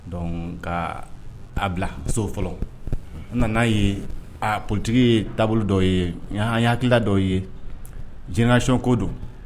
Don nka a bila so fɔlɔ nana' ye a politigi ye taabolo dɔw yean hala dɔw ye jnaconko don